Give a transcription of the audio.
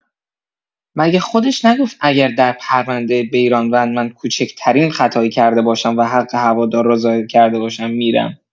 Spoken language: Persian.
مگه خودش نگفت اگر در پرونده بیرانوند من کوچکترین خطایی کرده باشم و حق هوادار را ضایع کرده باشم می‌رم؟